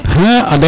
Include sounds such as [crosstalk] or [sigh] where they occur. [hesitation] a doya waar de